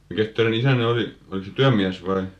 mikäs teidän isänne oli oliko se työmies vai